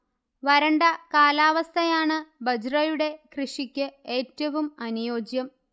വരണ്ട കാലാവസ്ഥയാണ് ബജ്റയുടെ കൃഷിക്ക് ഏറ്റവും അനുയോജ്യം